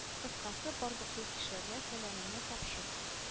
Кыскасы барлык дус-ишләргә сәламемне тапшыр